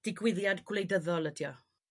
digwyddiad gwleidyddol ydy o.